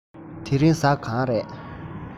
དེ རིང གཟའ གང རས